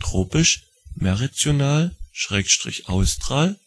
tropisch, meridional/austral,